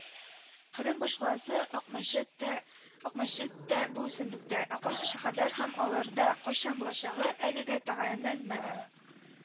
Кырым башкаласы акмәчет тә Акмәчет тә бу исемлектә, ә кайсы шәһәрләр һәм аларда кайчан булачагы әлегә тәгаенләнмәгән